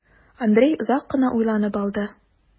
Андрей озак кына уйланып алды.